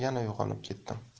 yana uyg'onib ketdim